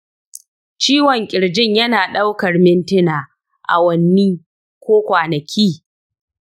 ciwon ƙirjin yana ɗaukar mintina, awowi, ko kwanaki?